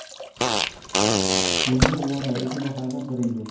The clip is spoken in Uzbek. kiyimi uvada o'zi bahaybat bir yigit